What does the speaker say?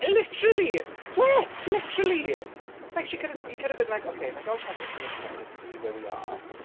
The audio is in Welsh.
Literally, yeah, literally. Like, she could... he could have been like, "Oce wna i gael chat gyda Paige yn gyntaf jyst to see where we are.